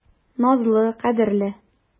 Назлы, кадерле.